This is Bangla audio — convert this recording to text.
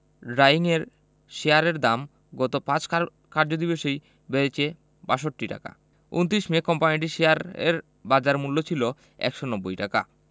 ড্রায়িংয়ের শেয়ারের দাম গত ৫ কা কার্যদিবসেই বেড়েছে ৬২ টাকা ২৯ মে কোম্পানিটির শেয়ারের বাজারমূল্য ছিল ১৯০ টাকা